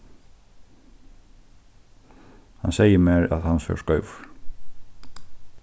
hann segði mær at hann fór skeivur